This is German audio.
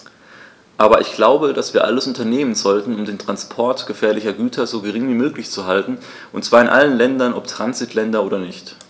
Aber ich glaube, dass wir alles unternehmen sollten, um den Transport gefährlicher Güter so gering wie möglich zu halten, und zwar in allen Ländern, ob Transitländer oder nicht.